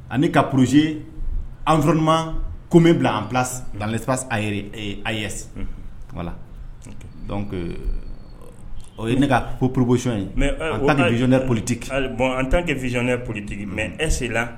Ani ka Projet environnement commun bila en place dans l'espace aéré ee AES unhun voilà ok donc ɔ o ye ne ka pro proposition ye mais ɛ en tant que visionneur politique ayi bon en tant que visionneur politique mais est ce là